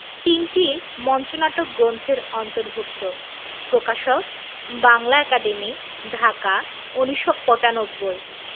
তিনটি মঞ্চনাটক গ্রন্থের অন্তর্ভুক্ত প্রকাশকঃ বাংলা একাডেমী ঢাকা ১৯৯৫